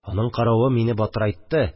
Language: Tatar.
Аның каравы мине батырайтты